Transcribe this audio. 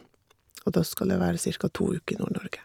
Og da skal jeg være cirka to uker i Nord-Norge.